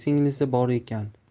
singlisi bor ekan